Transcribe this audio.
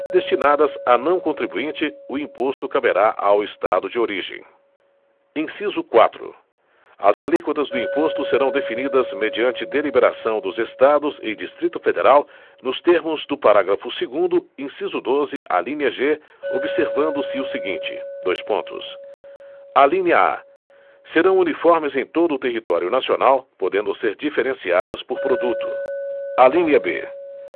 destinadas a não contribuinte o imposto caberá ao estado de origem inciso quatro as alíquotas do imposto serão definidas mediante deliberação dos estados e distrito federal nos termos do parágrafo segundo inciso doze alínea g observando se o seguinte dois pontos alínea a serão uniformes em todo o território nacional podendo ser diferenciadas por produto alínea b